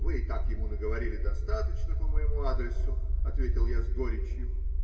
-- Вы и так ему наговорили достаточно по моему адресу, -- ответил я с горечью.